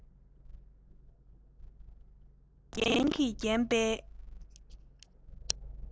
ཤ ཁྲག རྒྱན གྱིས བརྒྱན པའི